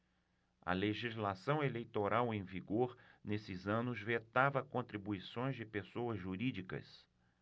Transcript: a legislação eleitoral em vigor nesses anos vetava contribuições de pessoas jurídicas